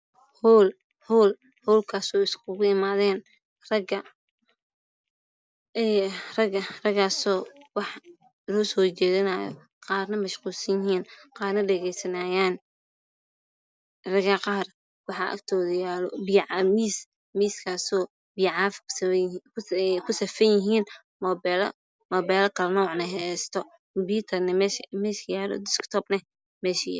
Hool hoolkaso iskugu imaaden Rag ragaaso wax loo soo jeedinayo qaarna mashqulsan yihin qaarna dhegeysanayn raga qaar waxa agtoda yaalo miis misakaso biyo caafi ku safan yihin mobelo kala nocna neh heesto computer mesha yaalo disktob neh mesha yalo